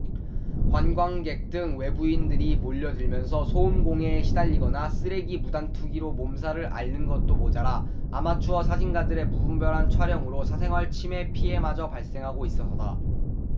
관광객 등 외부인들이 몰려 들면서 소음 공해에 시달리거나 쓰레기 무단 투기로 몸살을 앓는 것도 모자라 아마추어 사진가들의 무분별한 촬영으로 사생활 침해 피해마저 발생하고 있어서다